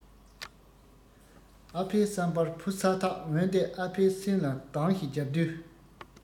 ཨ ཕའི བསམ པར བུ ས ཐག འོན ཏེ ཨ ཕའི སེམས ལ གདང ཞིག བརྒྱབ དུས